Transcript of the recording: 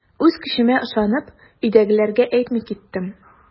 Үз көчемә ышанып, өйдәгеләргә әйтми киттем.